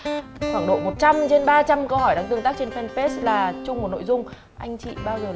khoảng độ một trăm trên ba trăm câu hỏi đang tương tác trên phen pết là chung một nội dung anh chị bao giờ